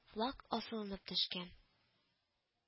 Фылак асылынып төшкән